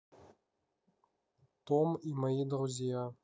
том и мои друзья